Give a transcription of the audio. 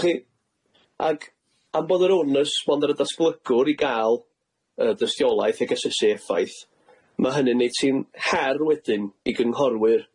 wch chi ag am bod yr onus mond yr y datglygwr i ga'l yy dystiolaeth ag asesu effaith ma' hynny'n neud ti'n her wedyn i gynghorwyr.